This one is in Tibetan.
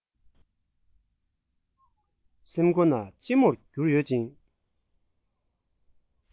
སེམས འགོ ན ལྕི མོར གྱུར ཡོད ཅིང